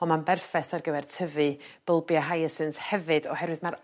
on' ma'n berffeth ar gyfer tyfu bylbia hyacinths hefyd oherwydd ma'r